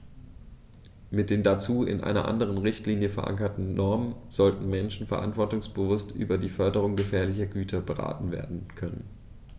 Mit den dazu in einer anderen Richtlinie, verankerten Normen sollten Menschen verantwortungsbewusst über die Beförderung gefährlicher Güter beraten werden können.